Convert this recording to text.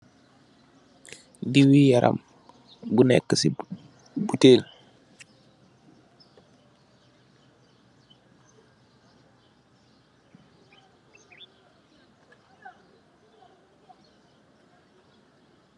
Diwi yaram bu nekka ci bottèli .